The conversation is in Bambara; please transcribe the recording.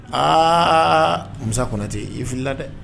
Aaaa Musa Konate i filila dɛ